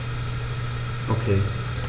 Okay.